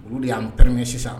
Olu de y'an kɛrɛnkɛ sisan